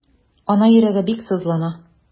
Ана йөрәге бик сызлана.